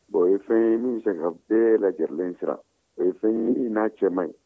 bon o ye fɛn ye min bɛ se bɛɛ lajɛlen siran o ye fɛn ye n'a cɛ man ɲi